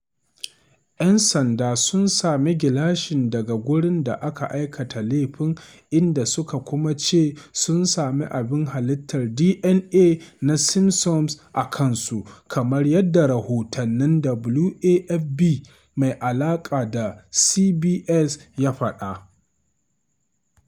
‘Yan sanda sun sami gilashin daga wurin da aka aikata laifin inda suka kuma ce sun sami abin halittar DNA na Simpson a kansu, kamar yadda rahoton WAFB mai alaƙa da CBS ya faɗa.